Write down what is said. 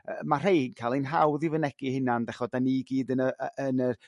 Yrr ma' rhei ca'l 'i'n hawdd i fynegi 'u hunan d'ch'od dyn ni gyd yn yrr yn yrr